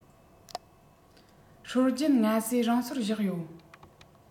སྲོལ རྒྱུན སྔ ཟས རང སོར བཞག ཡོད